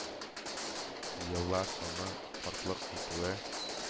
Еллар саны, картлык җитүе.